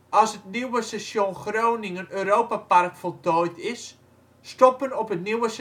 als het nieuwe station Groningen Europapark voltooid is, stoppen op het nieuwe